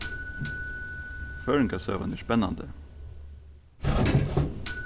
føroyingasøgan er spennandi